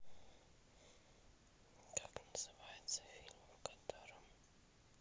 как называется фильм в котором